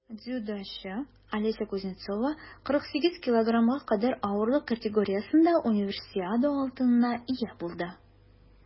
Дзюдочы Алеся Кузнецова 48 кг кадәр авырлык категориясендә Универсиада алтынына ия булды.